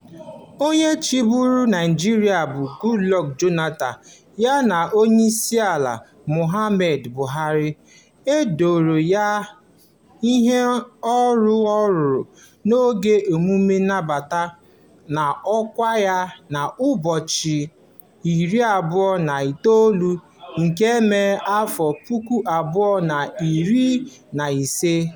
Onye chịburu Naịjirịa bụ Goodluck Jonathan ya na Onyeisiala Muhammadu Buhari e doro iyi ọrụ ọhụrụ n'oge emume nnabata n'ọkwa ya n'ụbọchị 29 nke Mee, 2015.